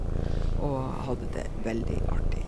Og hadde det veldig artig.